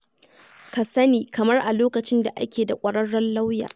Ka sani, kamar a lokacin da ake da ƙwararren lauya.